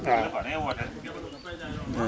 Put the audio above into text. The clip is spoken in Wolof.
waaw